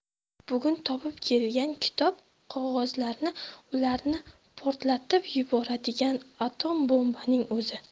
bugun topib kelgan kitob qog'ozlarim ularni portlatib yuboradigan atom bombaning o'zi